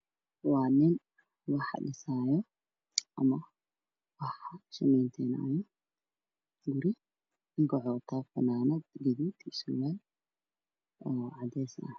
Waa nin wax dhisaayo ninku waxa uu wataa funaanad buluug iyo surwaal